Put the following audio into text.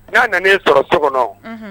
Na nanen sɔrɔ so kɔnɔ